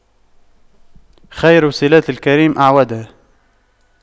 خير صِلاتِ الكريم أَعْوَدُها